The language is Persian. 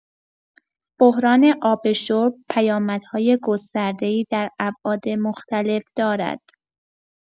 بحران آب شرب پیامدهای گسترده‌ای در ابعاد مختلف دارد.